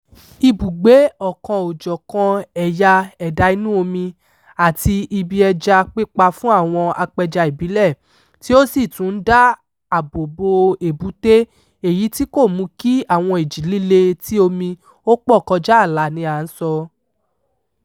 Ibùgbé ọ̀kan-òjọ̀kan ẹ̀yà ẹ̀dá inú omi (àti ibi ẹja pípa fún àwọn apẹja ìbílẹ̀), tí ó sì tún ń dá ààbò bo èbúté, èyí tí kò mú kí àwọn ìjì líle etí omi ó pọ̀ kọjá àlà ni à ń sọ.